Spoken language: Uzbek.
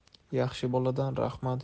yaxshi boladan rahmat